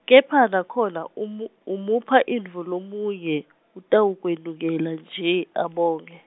kepha nakhona umu- umupha intfo lomunye , utawukwemukela nje abonge.